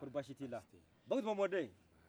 kɔri bachitila inaudible